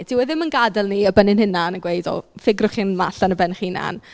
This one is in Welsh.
Dyw e ddim yn gadael ni ar ben ein hunan a gweud "o ffigrwch hyn ma- allan ar ben eich hunan."